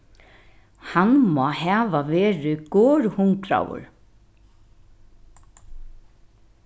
hann má hava verið gorhungraður